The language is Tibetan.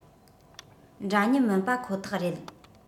འདྲ མཉམ མིན པ ཁོ ཐག རེད